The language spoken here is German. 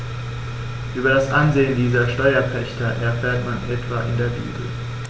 Über das Ansehen dieser Steuerpächter erfährt man etwa in der Bibel.